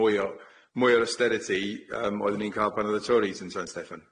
Mwy o mwy o'r austerity yym oeddwn i'n ca'l pan o'dd y Tauries yn San Steffan.